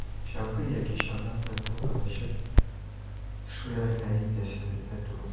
Чаңгы яки чана белән таудан очып төшүләрне әйтәсе дә түгел.